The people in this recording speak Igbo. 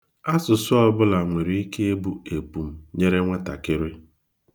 Asụsụ ọbụla nwere ike ịbụ epum nyere nwatakịrị.